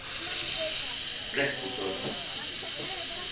brekkugøta